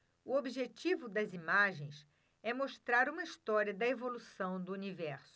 o objetivo das imagens é mostrar uma história da evolução do universo